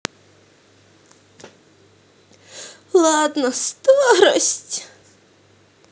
ладно старость